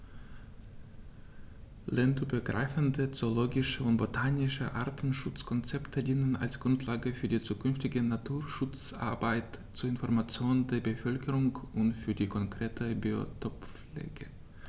Länderübergreifende zoologische und botanische Artenschutzkonzepte dienen als Grundlage für die zukünftige Naturschutzarbeit, zur Information der Bevölkerung und für die konkrete Biotoppflege.